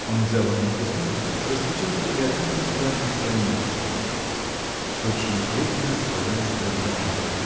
Он взял одно письмо, распечатал и окинул взглядом страницу. Точно крупная славянская грамота